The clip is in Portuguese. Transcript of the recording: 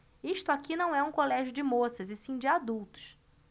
isto aqui não é um colégio de moças e sim de adultos